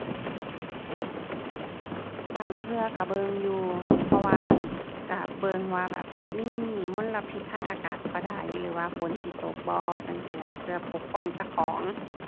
บางเทื่อก็เบิ่งอยู่ เพราะว่าก็เบิ่งว่าแบบมีมลพิษทางอากาศเท่าใด หรือว่าฝนสิตกบ่จั่งซี้ล่ะ เพื่อปกป้องเจ้าของ